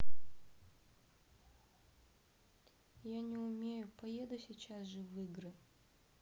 я не умею поеду сейчас же в игры